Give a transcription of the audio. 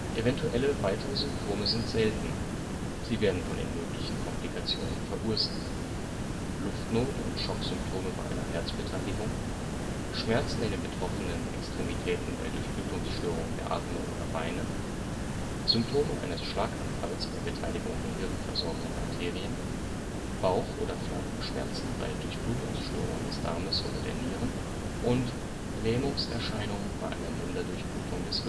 Eventuelle weitere Symptome sind seltener, sie werden von den möglichen Komplikationen verursacht: Luftnot und Schocksymptome bei einer Herzbeteiligung, Schmerzen in den betroffenen Extremitäten bei Durchblutungsstörungen der Arme oder Beine, Symptome eines Schlaganfalls bei Beteiligung der hirnversorgenden Arterien, Bauch - oder Flankenschmerzen bei Durchblutungsstörungen des Darmes oder der Nieren und Lähmungserscheinungen bei einer Minderdurchblutung des